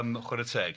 Yym chwara teg.